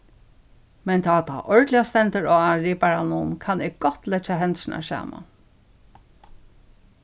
men tá tað ordiliga stendur á riparanum kann eg gott leggja hendurnar saman